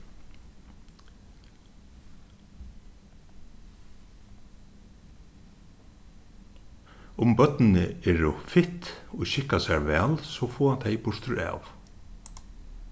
um børnini eru fitt og skikka sær væl so fáa tey burturav